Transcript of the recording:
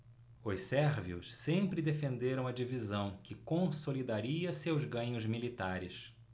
os sérvios sempre defenderam a divisão que consolidaria seus ganhos militares